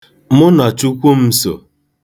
Mụnàchukwum̄sò